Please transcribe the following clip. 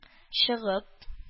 Чыгып